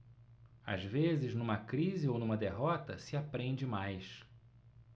às vezes numa crise ou numa derrota se aprende mais